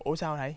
ủa sao này